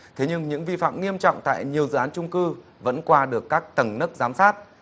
thế nhưng những vi phạm nghiêm trọng tại nhiều dự án chung cư vẫn qua được các tầng nấc giám sát